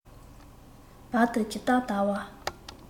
བར དུ ཇི ལྟར དར བ